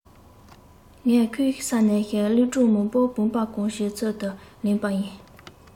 ངས ཁོའི ས ནས གླིང སྒྲུང མང པོ བུམ པ གང བྱོའི ཚུལ དུ ལེན པ ཡིན